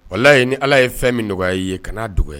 Walayi ye ni ala ye fɛn min nɔgɔyaya ye ka'a dogo